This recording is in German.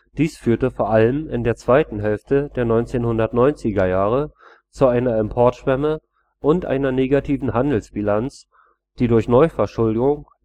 Dies führte vor allem in der zweiten Hälfte der 1990er Jahre zu einer Importschwemme und einer negativen Handelsbilanz, die durch Neuverschuldung